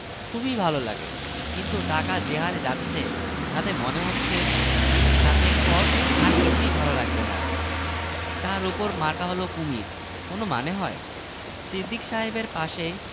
খুবই ভাল লাগে কিন্তু টাকা যে হারে যাচ্ছে তাতে মনে হচ্ছে দিন সাতেক পর আর কিছুই ভাল লাগবে না তার উপর মার্কা হল কুমীর কোন মানে হয় সিদ্দিক সাহেবের পাশে